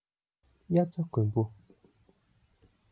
དབྱར རྩྭ དགུན འབུ